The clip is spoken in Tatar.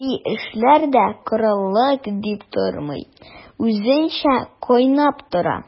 Милли эшләр дә корылык дип тормый, үзенчә кайнап тора.